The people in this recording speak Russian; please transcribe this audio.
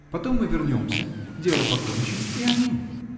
Потом мы вернемся, дело покончим -- и аминь!